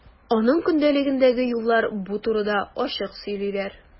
Аның көндәлегендәге юллар бу турыда ачык сөйлиләр.